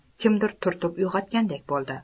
kimdir turtib uyg'otgandek bo'ldi